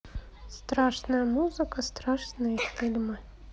страшная музыка страшные фильмы